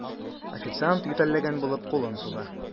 Официант, ютәлләгән булып, кулын суза.